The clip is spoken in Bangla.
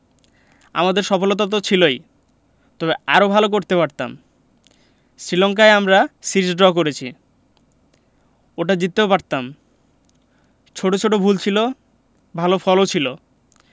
আমাদের সফলতা তো ছিলই তবে আরও ভালো করতে পারতাম শ্রীলঙ্কায় আমরা সিরিজ ড্র করেছি ওটা জিততেও পারতাম ছোট ছোট ভুল ছিল ভালো ফলও ছিল